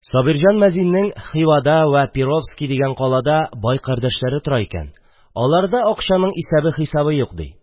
Сабирҗан мәзиннең Хивада вә Перовски дигән калада бай кардәшләре тора икән, аларда акчаның исәбе-хисабы юк ди.